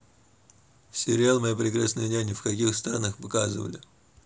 сериал моя прекрасная няня в каких странах показывали